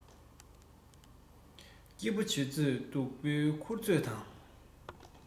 འགྲོ ཚོད སྡོད ཚོད བཤད ཚོད བྱེད ཚོད དང